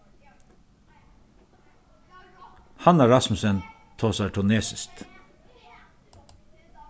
hanna rasmussen tosar tunesiskt